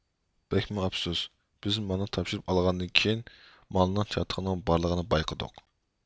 بەكمۇ ئەپسۇس بىز مالنى تاپشۇرۇپ ئالغاندىن كېيىن مالنىڭ چاتىقىنىڭ بارلىقىنى بايقىدۇق